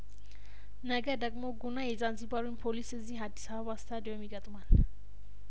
ነገ ደግሞ ጉና የዛንዚባሩን ፖሊስ እዚህ አዲስ አበባ ስታዲዮም ይገጥማል